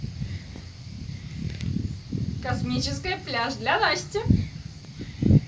космическая пляж для насти